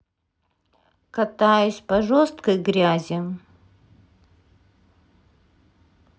катаюсь по жесткой грязи